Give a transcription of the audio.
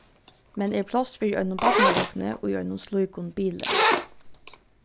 men er pláss fyri einum barnavogni í einum slíkum bili